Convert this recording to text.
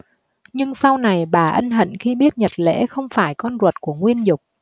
nhưng sau này bà ân hận khi biết nhật lễ không phải con ruột của nguyên dục